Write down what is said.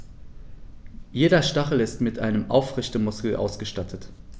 Jeder Stachel ist mit einem Aufrichtemuskel ausgestattet.